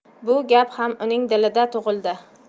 bu gap ham uning diliga tug'ildi